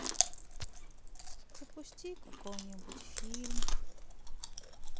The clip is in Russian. запусти какой нибудь фильм